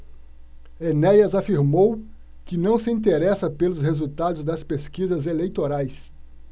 enéas afirmou que não se interessa pelos resultados das pesquisas eleitorais